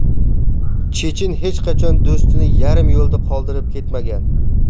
chechen hech qachon do'stini yarim yo'lda qoldirib ketmagan